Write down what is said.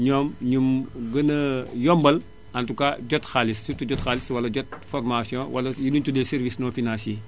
ñoom ñu gën a yombal en tout cas jot xaalis surtout jot xaalis wala jot formation wala li ñu tuddee service non financier